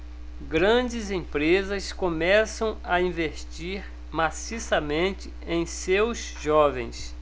grandes empresas começam a investir maciçamente em seus jovens